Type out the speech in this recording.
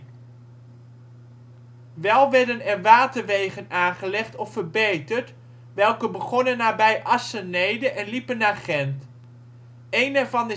Wel werden er waterwegen aangelegd of verbeterd, welke begonnen nabij Assenede en liepen naar Gent. Een ervan